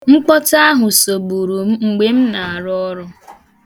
Mkpọtụ ahụ sogburu m mgbe m na-arụ ọrụ.